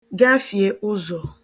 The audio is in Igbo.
gafiè ụzọ